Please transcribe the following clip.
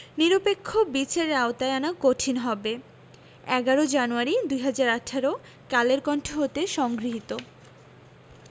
নিরপেক্ষ বিচারের আওতায় আনা কঠিন হবে ১১ জানুয়ারি ২০১৮ কালের কন্ঠ হতে সংগৃহীত